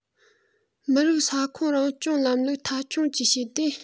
མི རིགས ས ཁོངས རང སྐྱོང ལམ ལུགས མཐའ འཁྱོངས བཅས བྱས ཏེ